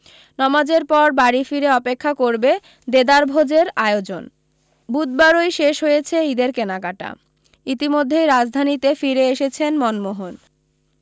নমাজের পর বাড়ী ফিরে অপেক্ষা করবে দেদার ভোজের আয়োজন বুধবারৈ শেষ হয়েছে ঈদের কেনাকাটা ইতিমধ্যেই রাজধানীতে ফিরে এসেছেন মনমোহন